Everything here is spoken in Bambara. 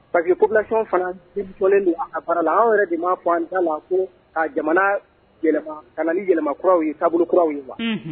Pa que kolasɔn fanalen don a farala anw yɛrɛ de ma ta ka jamana ka ni yɛlɛma kuraw ye taabolokuraraw ye